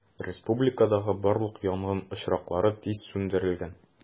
Республикадагы барлык янгын очраклары тиз сүндерелгән.